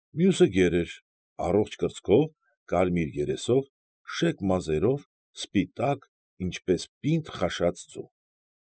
Մյուսը գեր էր, առողջ կրծքով, կարմիր երեսով, շեկ մազերով, սպիտակ, ինչպես պինդ խաշած ձու։